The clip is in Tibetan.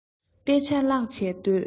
དཔེ ཆ བཀླགས བྱས སྡོད